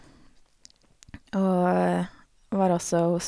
Og var også hos...